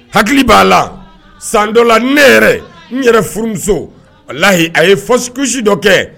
Hakili b'a la san dɔ la ne yɛrɛ n yɛrɛ furumuso layi a ye fɔsi dɔ kɛ